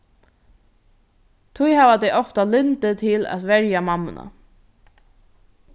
tí hava tey ofta lyndi til at verja mammuna